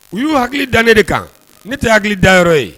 U y'u hakili dan ne de kan ne tɛ hakili da yɔrɔ ye